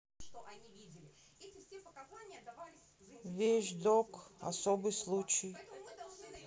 вещь док особый случай